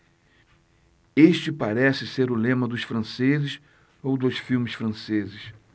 este parece ser o lema dos franceses ou dos filmes franceses